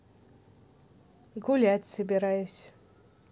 гулять собираюсь